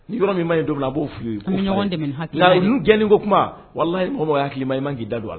Nii yɔrɔ min' ye don min a b'o f ye'u gɛn ko kuma wala y' hakili ma i ma k'i da don la